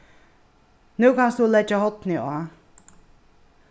nú kanst tú leggja hornið á